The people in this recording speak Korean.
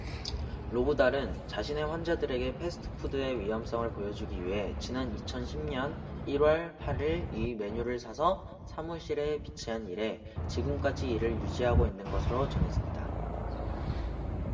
로브달은 자신의 환자들에게 패스트푸드의 위험성을 보여주기 위해 지난 이천 십 년 일 월 팔 일 이 메뉴를 사서 사무실에 비치한 이래 지금까지 이를 유지하고 있는 것으로 전해진다